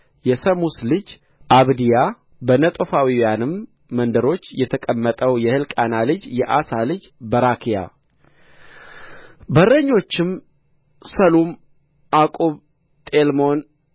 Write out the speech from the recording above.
የሰሙስ ልጅ አብድያ በነጦፋውያንም መንደሮች የተቀመጠው የሕልቃና ልጅ የአሳ ልጅ በራክያ በረኞችም ሰሎም ዓቁብ ጤልሞን